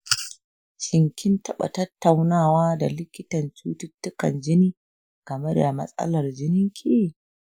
shin kin taɓa tattaunawa da likitan cututtukan jini game da matsalar jininki?